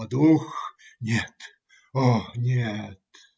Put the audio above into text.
А дух - нет, о нет!.